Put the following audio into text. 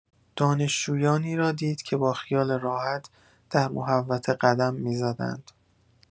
دانشجویانی را دید که با خیال راحت در محوطه قدم می‌زدند.